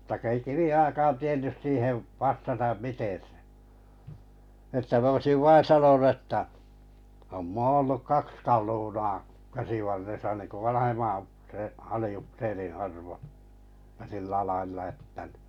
mutta kun ei Kiviojakaan tiennyt siihen vastata miten se on niin että minä olisin vain sanonut että on - ollut kaksi kaluunaa käsivarressa niin kuin vanhemman - aliupseerin arvo ja sillä lailla että niin